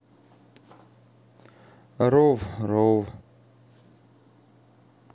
ров ров